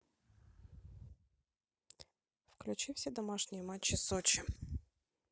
включи все домашние матчи сочи